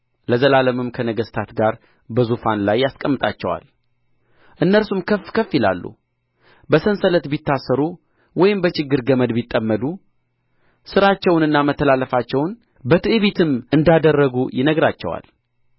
ለዘላለምም ከነገሥታት ጋር በዙፋን ላይ ያስቀምጣቸዋል እነርሱም ከፍ ከፍ ይላሉ በሰንሰለት ቢታሰሩ ወይም በችግር ገመድ ቢጠመዱ ሥራቸውንና መተላለፋቸውን በትዕቢትም እንዳደረጉ ይናገራቸዋል